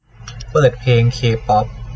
เปิดเพลงเคป๊อป